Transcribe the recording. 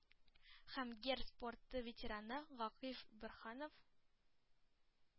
Һәм гер спорты ветераны гакыйф борһанов,